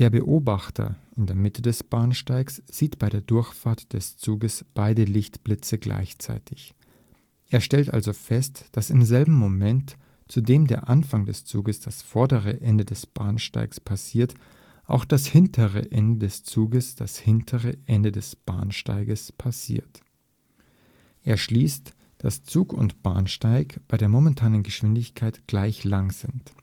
Beobachter in der Mitte des Bahnsteigs sieht bei der Durchfahrt des Zuges beide Lichtblitze gleichzeitig. Er stellt also fest, dass im selben Moment, zu dem der Anfang des Zuges das vordere Ende des Bahnsteigs passiert, auch das hintere Ende des Zuges das hintere Ende des Bahnsteigs passiert. Er schließt, dass Zug und Bahnsteig bei der momentanen Geschwindigkeit gleich lang sind